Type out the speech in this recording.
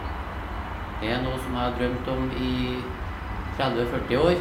Det er noe som jeg har drømt om i tredve førti år.